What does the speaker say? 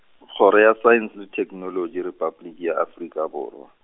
Kgoro ya Saense le Theknolotši, Repabliki ya Afrika Borwa.